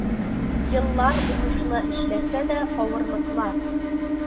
Еллар уңышлы эшләсә дә, авырлыклар